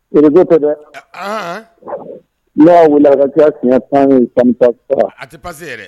Réseau tɛ dɛ. Anhan Ni ya ye a Welela a ka can siɲɛ 10 ye sa ne passe pas a te yɛrɛ.